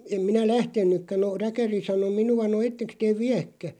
en minä lähtenytkään no räkäri sanoi minua no ettekös te viekään